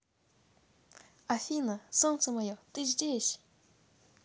афина солнце мое ты здесь